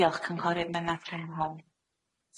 Diolch cynghorydd Mena Trenholm.